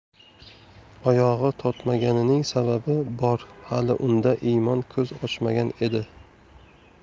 oyog'i tortmaganining sababi bor hali unda iymon ko'z ochmagan edi